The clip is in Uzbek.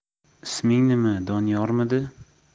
isming nima doniyormidi